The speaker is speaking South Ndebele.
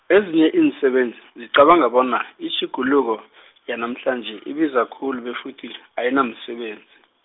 ezinye iinsebenzi, zicabanga bona, itjhuguluko, yanamhlanje, ibiza khulu befuthi, ayinamsebenzi.